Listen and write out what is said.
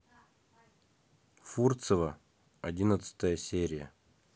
фурцева одиннадцатая серия